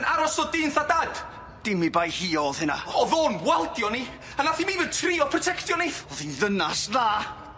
Yn aros 'fo dyn 'tha dad? Dim 'i bai hi o'dd hynna. O'dd o'n waldio ni a nath 'i'm even trio protectio ni. O'dd 'i'n ddynas dda.